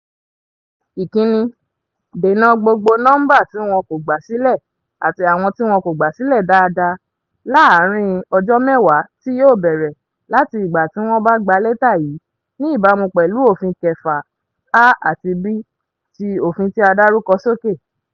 1- Dènà gbogbo àwọn nọ́mbà tí wọ́n ko gbà sílẹ̀ àti àwọn tí wọn kò gbà sílẹ̀ dáadáa láàárín ọjọ́ mẹ́wàá tí yóò bẹ̀rẹ̀ láti ìgbà tí wọ́n bá gba lẹ́tà yìí, ní ìbámu pẹ̀lú Òfin 6(a)ati (b) ti òfin tí a dárúkọ sókè.